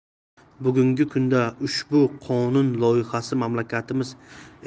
bugungi kunda ushbu qonun loyihasi mamlakatimiz